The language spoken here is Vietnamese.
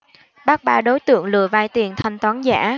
bắt ba đối tượng lừa vay tiền thanh toán giả